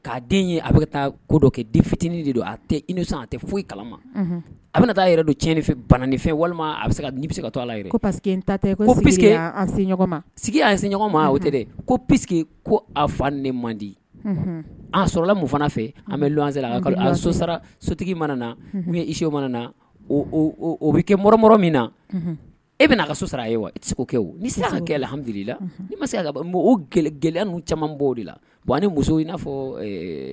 ' den a taa ko kɛ fitinin foyi kala a taa don tiɲɛn banain fɛ walima se to alasekese ma o ko p ko a fa ne mandi a sɔrɔ mun fana fɛ an bɛ se sara sotigi mana n mana o bɛ kɛ m min na e bɛna ka so sara a ye wa i tɛ se kɛ ka la hamidu ila i ma se o caman b' o de la muso in n'a fɔ